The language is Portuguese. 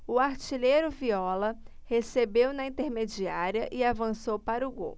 o artilheiro viola recebeu na intermediária e avançou para o gol